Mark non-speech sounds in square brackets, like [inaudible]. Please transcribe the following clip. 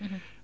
[hesitation] [hesitation]